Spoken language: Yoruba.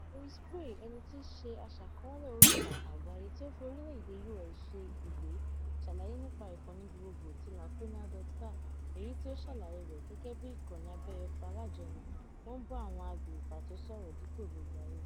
Louis Gray, ẹni tí í ṣe aṣàkọ́ọ́lẹ̀ orí ìtàkùn àgbáyé tí ó fi orílẹ̀ èdè U.S ṣe ibùgbé, ṣàlàyé nípa ìkànnì gbogbogbò ti Laconia.ca, èyí tí ó ṣàlàyé rẹ̀ gẹ́gẹ́ bíi "ìkànnì abẹ́yẹfò alájọni" - ó ń bá àwọn agbègbè pàtó sọ̀rọ̀ dípò gbogbo ayé.